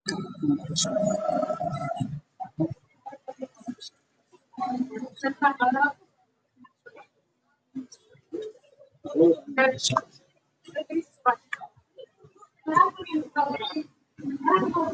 Meeshaan waxaa yaalo shatigarkiisu yahay caddaan iyo madow